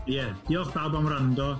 Ie, diolch bawb am wrando.